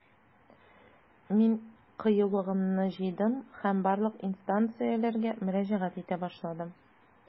Мин кыюлыгымны җыйдым һәм барлык инстанцияләргә мөрәҗәгать итә башладым.